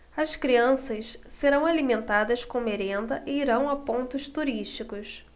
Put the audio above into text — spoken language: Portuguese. as crianças serão alimentadas com merenda e irão a pontos turísticos